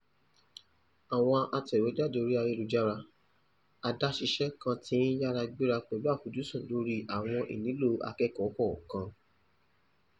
Àwọn atẹ̀wéjáde orí ayélujára, adáṣiṣẹ́ kan ti ń yára gbéra pẹ̀lú àfojúsùn lórí àwọn ìnílò akẹ́kọ̀ọ́ kọ̀ọ̀kan.